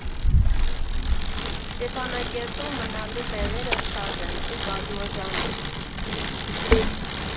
Ստեփանակերտում մնալու տեղերը շատ են ու բազմաժանր։